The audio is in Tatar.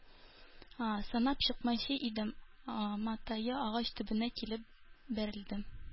Санап чыкмакчы иде, матае агач төбенә килеп бәрелде.